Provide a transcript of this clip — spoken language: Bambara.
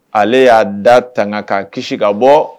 Ale y'a da tanga ka kisi ka bɔ